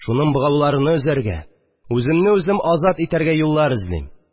Шуның богауларыны өзәргә, үземне үзем азат итәргә юллар эзлим